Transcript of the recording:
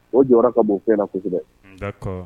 O jɔyɔrɔra ka bono fɛn kosɛbɛ